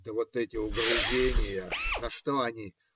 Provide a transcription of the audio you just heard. - Да вот эти угрызения. На что они?